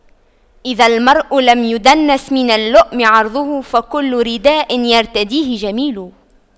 إذا المرء لم يدنس من اللؤم عرضه فكل رداء يرتديه جميل